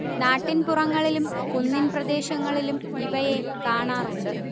നാട്ടിൻ പുറങ്ങളിലും കുന്നിൻ പ്രദേശങ്ങളിലും ഇവയെ കാണാറുണ്ട്